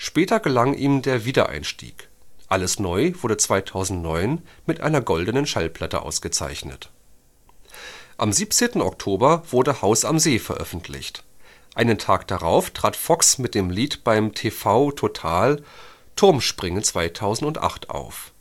Später gelang ihm der Wiedereinstieg. Alles neu wurde 2009 mit einer Goldenen Schallplatte ausgezeichnet. Am 17. Oktober wurde Haus am See veröffentlicht. Einen Tag darauf trat Fox mit dem Lied beim TV total Turmspringen 2008 auf